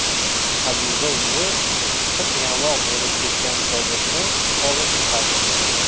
habiba buvi qirq yamoq bo'lib ketgan chodirni olib chiqadi